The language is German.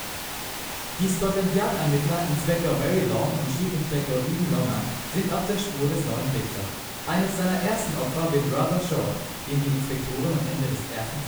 Die Scotland-Yard-Ermittler Inspector Very Long und Chief Inspector Even Longer sind auf der Spur des neuen Wixxers. Eines seiner ersten Opfer wird Rather Short, den die Inspektoren am Ende des ersten